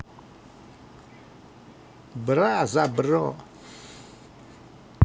бра за бро